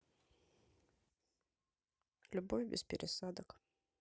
любовь без пересадок